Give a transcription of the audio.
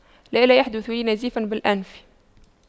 لا لا يحدث لي نزيف بالأنف